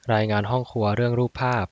รายงานห้องครัวเรื่องรูปภาพ